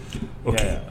I y'a ye wa?